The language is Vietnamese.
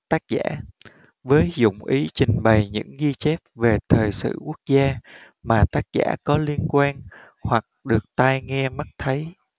tác giả với dụng ý trình bày những ghi chép về thời sự quốc gia mà tác giả có liên quan hoặc được tai nghe mắt thấy